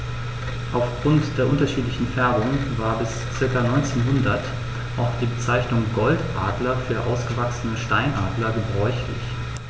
Auf Grund der unterschiedlichen Färbung war bis ca. 1900 auch die Bezeichnung Goldadler für ausgewachsene Steinadler gebräuchlich.